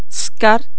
سكر